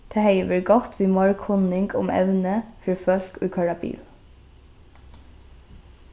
tað hevði verið gott við meir kunning um evnið fyri fólk ið koyra bil